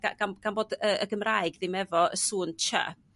G- gan gan bod y y Gymraeg ddim efo y sŵn chy